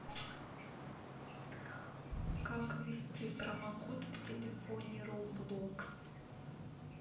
как ввести промокод в телефоне roblox